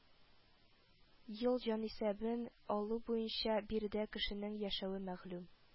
Ел җанисәбен алу буенча биредә кешенең яшәве мәгълүм